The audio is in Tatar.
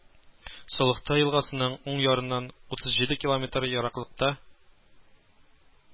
СОлыхта елгасының уң ярыннан утыз җиде километр ераклыкта